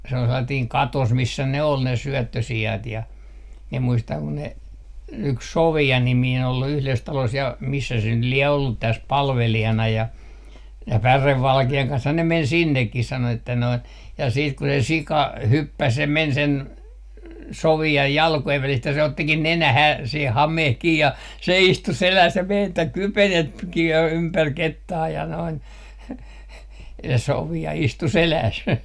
se oli sellainen katos missä ne oli ne syöttösiat ja minä muistan kun ne yksi Sofia niminen oli yhdessä talossa ja missä se nyt lie ollut tässä palvelijana ja ja pärevalkean kanssahan ne meni sinnekin sanoi että noin ja sitten kun se sika hyppäsi ja meni sen Sofian jalkojen välistä ja se ottikin nenään se hame kiinni ja se istui selässä ja meni että kypenetkin jo ympäri kettaa ja noin se Sofia istui selässä